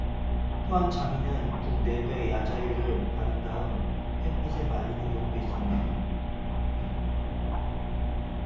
또한 장인은 북 내부에 야자유를 바른 다음 햇빛에 말리는 경우도 있습니다